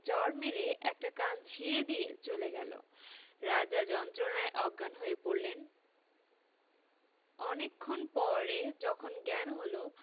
চড় মেরে একটা কান ছিড়ে দিয়ে চলে গেল রাজা যন্ত্রনায় অজ্ঞান হয়ে পড়লেন অনেকক্ষণ পরে যখন জ্ঞান হল